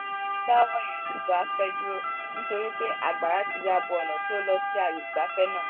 Wọ́n dáwọ́ ìrìn-àjò afẹ́ dúró nítorí pé àgbàrá ti ya bo ọ̀nà tí ó lọ sí àyè ìgbafẹ́ náà.